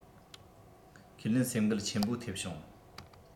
ཁས ལེན སེམས འགུལ ཆེན པོ ཐེབས བྱུང